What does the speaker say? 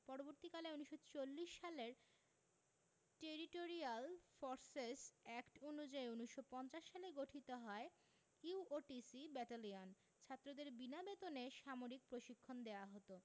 পরবর্তীকালে ১৯৪০ সালের territorial forces act অনুযায়ী ১৯৫০ সালে গঠিত হয় ইউওটিসি ব্যাটালিয়ন ছাত্রদের বিনা বেতনে সামরিক প্রশিক্ষণ দেওয়া হতো